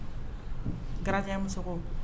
Garan muso